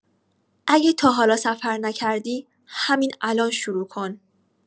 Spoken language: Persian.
اگه تاحالا سفر نکردی، همین الان شروع کن.